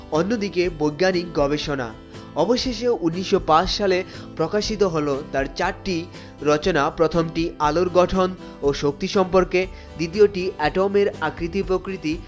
অন্যদিকে বৈজ্ঞানিক গবেষণা অবশেষে ১৯০৫ সালে প্রকাশিত হলো তার চারটি রচনা প্রথমটি আলোর গঠন ও শক্তি সম্পর্কে দ্বিতীয় টি এটম এর আকৃতি প্রকৃতি